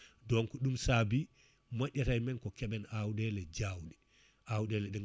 donc ɗum saabi moƴƴata emen ko keeɓen awɗele jawɗe awɗele ɗe gan